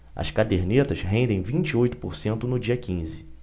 as cadernetas rendem vinte e oito por cento no dia quinze